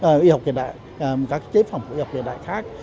y học hiện đại à các chế phẩm của y học hiện đại khác